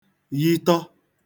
yitọ